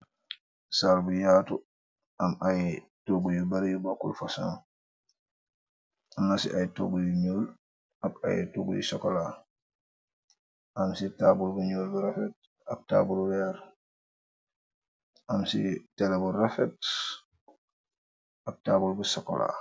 Saar bu yaatu, am ay tougu yu bare yu bokkul fosan, amna ci ay tuogu yu ñul, ak ay tugu y sokola, am ci taabul bu ñuul bu rafet, ak taabulu reer, am ci tela bu rafet ak taabul bu sokola.